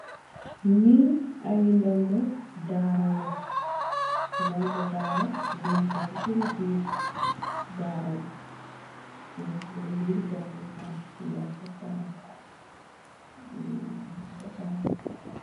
Ngi ay nongo daara len nongo dara yu neka si sen bir daara bi nyun sen bir daal jangukai yi nongo dara.